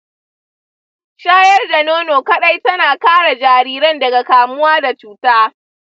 shayar da nono kadai tana kare jariran daga kamuwa da cuta.